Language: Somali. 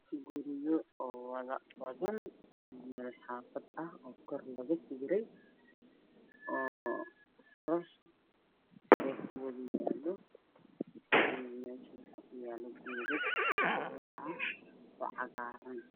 Meeshaan waxaa iiga muuqday guryo fara badan waana xaafado waana magaalo waxa ku yaala dabaqyo iyo guryaha yaryar